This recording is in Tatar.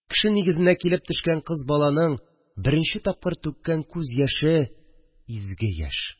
Кеше нигезенә килеп төшкән кыз баланың беренче тапкыр түккән күз яше – изге яшь